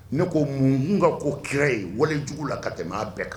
Ne ko mun mun. ka ko kira ye walijugu la ka tɛmɛ bɛɛ kan